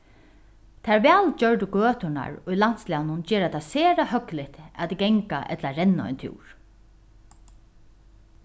tær vælgjørdu gøturnar í landslagnum gera tað sera høgligt at ganga ella renna ein túr